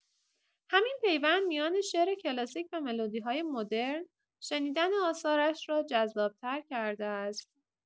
همین پیوند میان شعر کلاسیک و ملودی‌های مدرن، شنیدن آثارش را جذاب‌تر کرده است.